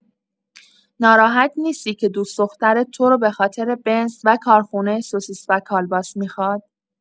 ناراحت نیستی که دوست دخترت تو رو به‌خاطر بنز و کارخونه سوسیس و کالباس می‌خواد؟